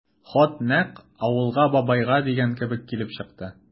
Хат нәкъ «Авылга, бабайга» дигән кебек килеп чыкты.